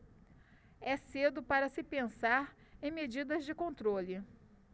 é cedo para se pensar em medidas de controle